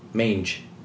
Mange.